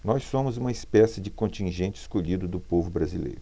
nós somos uma espécie de contingente escolhido do povo brasileiro